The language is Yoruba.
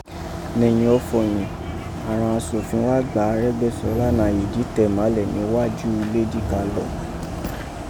Nẹyin ọfọ̀ yẹ̀n àghan asofin wa gba Aregbesola nàyè jí tẹmálẹ̀ nigwaju ule jí ka lọ.